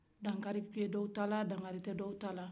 dan kari bɛ dɔw ta la dan kari tɛ dɔw ta la